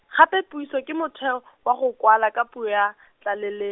gape puiso ke motheo , wa go kwala ka puo ya , tlalele.